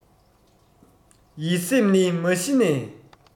ཡིད སེམས ནི མ གཞི ནས